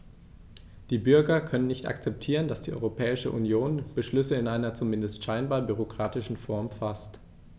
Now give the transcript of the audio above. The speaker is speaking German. Die Bürger können nicht akzeptieren, dass die Europäische Union Beschlüsse in einer, zumindest scheinbar, bürokratischen Form faßt.